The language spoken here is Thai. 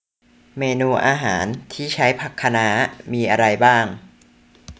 เมนูอาหารที่ใช้ผักคะน้ามีอะไรบ้าง